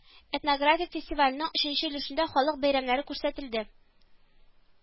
Этнографик фестивальнең өченче өлешендә халык бәйрәмнәре күрсәтелде